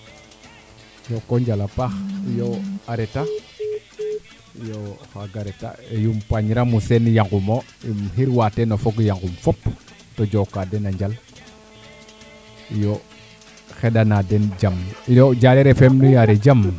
iyoo a reta iyo o xaaga reta Yumpañ Ramou Sene Yangumo im xirwa teen o fog Yangum Fop to joka den a njal iyo xendana den jam iyo Diarer Fm nu yaare jam